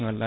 wallay